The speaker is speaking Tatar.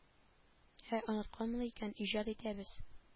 Ә онытканмын икән иҗат итәбез